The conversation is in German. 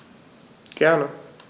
Gerne.